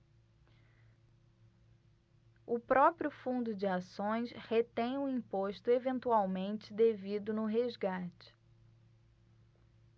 o próprio fundo de ações retém o imposto eventualmente devido no resgate